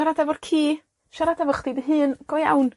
Siarad efo'r ci. Siarad efo chdi dy hun, go iawn.